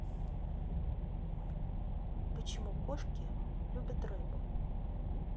почему кошки любят рыбу